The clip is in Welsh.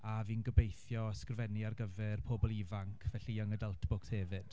A fi'n gobeithio ysgrifennu ar gyfer pobl ifanc, felly young adult books hefyd.